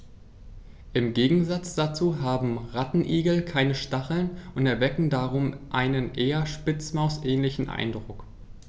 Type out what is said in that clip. Im Gegensatz dazu haben Rattenigel keine Stacheln und erwecken darum einen eher Spitzmaus-ähnlichen Eindruck.